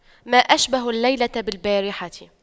ما أشبه الليلة بالبارحة